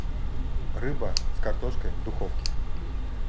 рыба с картошкой в духовке